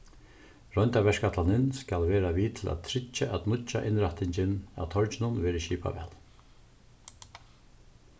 royndarverkætlanin skal vera við til at tryggja at nýggja innrættingin av torginum verður skipað væl